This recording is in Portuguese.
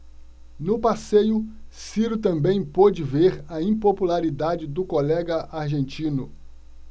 no passeio ciro também pôde ver a impopularidade do colega argentino